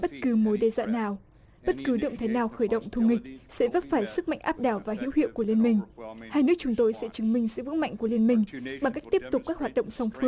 bất cứ mối đe dọa nào bất cứ động thế nào khởi động thù nghịch sẽ vấp phải sức mạnh áp đảo và hữu hiệu của liên minh hai nước chúng tôi sẽ chứng minh sự vững mạnh của liên minh bằng cách tiếp tục các hoạt động song phương